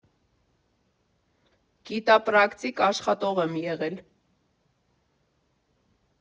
Գիտապրակտիկ աշխատող եմ եղել։